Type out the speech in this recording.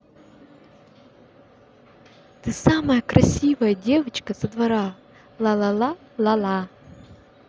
ты самая красивая девочка со двора ла ла ла ла ла